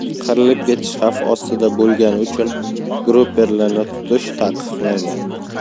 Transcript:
qirilib ketish xavfi ostida bo'lgani uchun gruperlarni tutish taqiqlangan